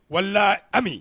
Walayi Ami